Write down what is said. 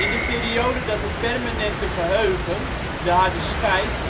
de periode dat het permanente geheugen (de harde schijf